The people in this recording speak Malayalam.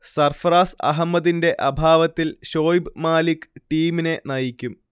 സർഫ്രാസ് അഹമ്മദിന്റെ അഭാവത്തിൽ ഷൊയ്ബ് മാലിക് ടീമിനെ നയിക്കും